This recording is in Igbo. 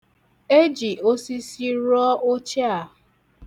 E ji osisi rụọ oche a.